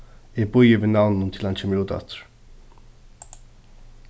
eg bíði við navninum til hann kemur út aftur